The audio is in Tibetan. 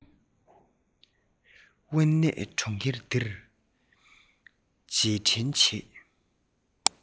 དབེན གནས གྲོང ཁྱེར འདིར རྗེས དྲན བྱེད